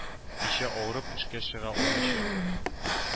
Кичә авырып эшкә чыга алмыйча